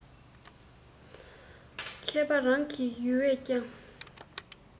མཁས པ རང གི ཡུལ བས ཀྱང